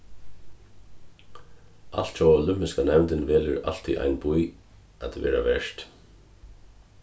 altjóða olympiska nevndin velur altíð ein bý at vera vert